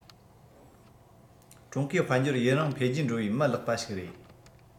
ཀྲུང གོའི དཔལ འབྱོར ཡུན རིང འཕེལ རྒྱས འགྲོ བའི མི ལེགས པ ཞིག རེད